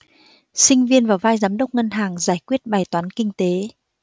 sinh viên vào vai giám đốc ngân hàng giải quyết bài toán kinh tế